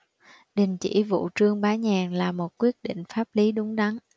đình chỉ vụ trương bá nhàn là một quyết định pháp lý đúng đắn